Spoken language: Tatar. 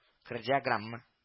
Кардиограмма —